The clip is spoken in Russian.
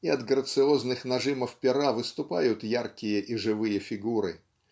и от грациозных нажимов пера выступают яркие и живые фигуры.